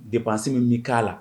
De bansi min min kɛa la